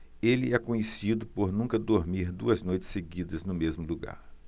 ele é conhecido por nunca dormir duas noites seguidas no mesmo lugar